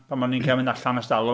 Pan o'n i'n cael mynd allan ers talwm.